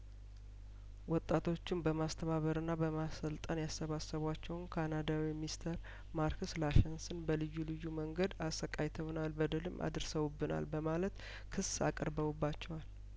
ወጣቶቹን በማስተባበርና በማሰልጠን ያሰባ ሰቧቸውን ካናዳዊ ሚስተር ማርክ ላሻንስን በልዩ ልዩ መንገድ አሰቃይተውናል በደል አድርሰው ብናል በማለት ክስ አቅርበውባቸዋል